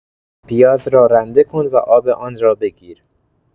پیاز را رنده کن و آب آن را بگیر.